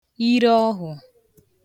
ireọhụ̀